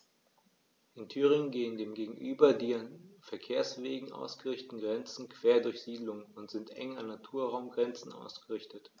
In Thüringen gehen dem gegenüber die an Verkehrswegen ausgerichteten Grenzen quer durch Siedlungen und sind eng an Naturraumgrenzen ausgerichtet.